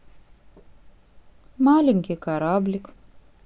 маленький кораблик